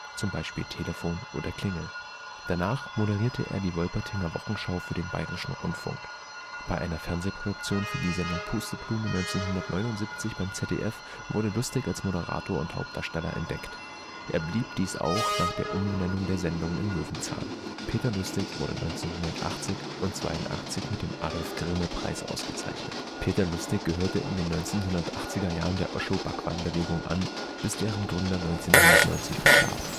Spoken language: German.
z. B. Telefon oder Klingel). Danach moderierte er die Wolpertinger Wochenschau für den Bayerischen Rundfunk. Bei einer Fernsehproduktion für die Sendung Pusteblume 1979 beim ZDF wurde Lustig als Moderator und Hauptdarsteller entdeckt. Er blieb dies auch nach der Umbenennung der Sendung in Löwenzahn. Peter Lustig wurde 1980 und 1982 mit dem Adolf-Grimme-Preis ausgezeichnet. Peter Lustig gehörte in den 1980er Jahren der Osho -/ Bhagwan-Bewegung an, bis deren Gründer 1990 verstarb